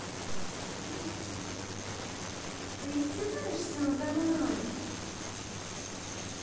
ты издеваешься надо мной